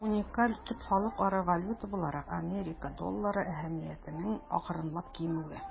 Уникаль төп халыкара валюта буларак Америка доллары әһәмиятенең акрынлап кимүе.